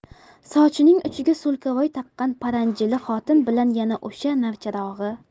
sochining uchiga so'lkavoy taqqan paranjili xotin bilan yana o'sha novcharog'i